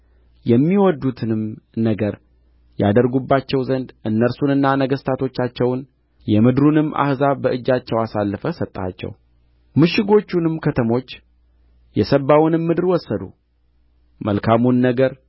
የሚወድዱትንም ነገር ያደረጉባቸው ዘንድ እነርሱንና ነገሥታቶቻቸውን የምድሩንም አሕዛብ በእጃቸው አሳልፈህ ሰጠሃቸው ምሽጎቹንም ከተሞች የሰባውንም ምድር ወሰዱ መልካሙን ነገር